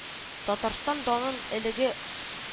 Татарстан данын элеге